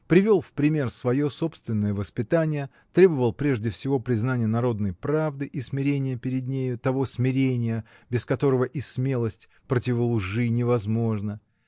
привел в пример свое собственное воспитание, требовал прежде всего признания народной правды и смирения перед нею -- того смирения, без которого и смелость противу лжи невозможна